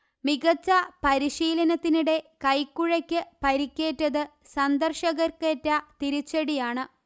മികച്ച പരിശീലനത്തിനിടെ കൈക്കുഴയ്ക്ക് പരിക്കേറ്റത് സന്ദർശകർക്കേറ്റ തിരിച്ചടിയാണ്